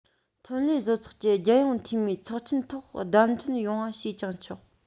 ཐོན ལས བཟོ ཚོགས ཀྱི རྒྱལ ཡོངས འཐུས མིའི ཚོགས ཆེན ཐོག བདམས ཐོན ཡོང བ བྱས ཀྱང ཆོག